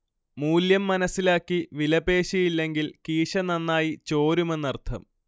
മൂല്യം മനസ്സിലാക്കി വിലപേശിയില്ലെങ്കിൽ കീശ നന്നായി ചോരുമെന്നർഥം